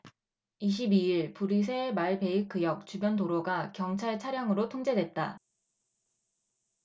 이십 이 일 브뤼셀 말베이크역 주변 도로가 경찰 차량으로 통제됐다